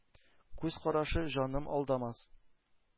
Күз карашы, җаным, алдамас.